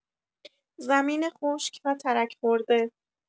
زمین خشک و ترک‌خورده